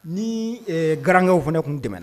Ni garankɛw fana tun tɛmɛna